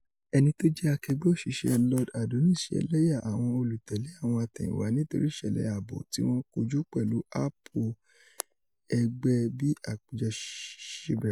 Ẹni tó jẹ́ akẹgbé òṣìṣẹ́ Lord Adonis ṣe ẹlẹ́yà àwọn olùtẹ̀lé ohun àtẹ̀hìnwá nítorí ìṣẹ̀lẹ̀ ààbò tí wọ́n kojú pẹ̀lú áàpù ẹgbẹ́ bí àpéjọ ṣí bẹ̀rẹ̀.